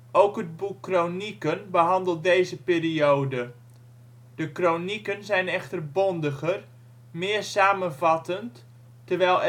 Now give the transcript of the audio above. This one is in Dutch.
Ook het boek Kronieken behandelt deze periode. De kronieken zijn echter bondiger, meer samenvattend, terwijl